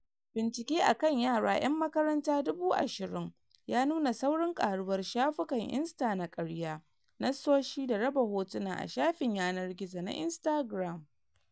Bincike a kan yara yan makaranta 20,000 ya nuna saurin karuwar shafukan “Insta na karya” - nassoshi da raba hotuna a shafin yanar-gizo na Instagram.